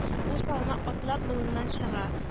Ул салмак атлап болыннан чыга